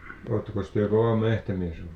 olettekos te kova metsämies ollut